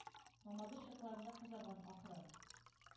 Мамадыш якларында кызарган, ахры.